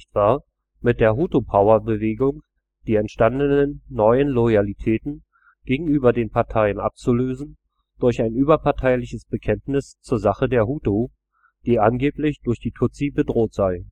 war, mit der „ Hutu-Power “- Bewegung die entstandenen neuen Loyalitäten gegenüber den Parteien abzulösen durch ein überparteiliches Bekenntnis zur Sache der Hutu, die angeblich durch die Tutsi bedroht sei